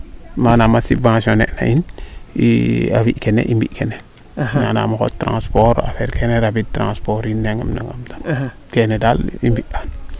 manaam a subvention nen an in ren i a fi kene i mbi kene manaam a xot transport a xot keene a rabid transport iin nangam nangam keene daal i mbi aan